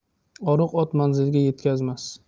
oriq ot manzilga yetkazmas